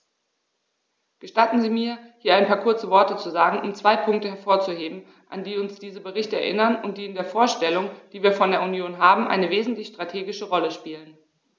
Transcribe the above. Gestatten Sie mir, hier ein paar kurze Worte zu sagen, um zwei Punkte hervorzuheben, an die uns diese Berichte erinnern und die in der Vorstellung, die wir von der Union haben, eine wesentliche strategische Rolle spielen.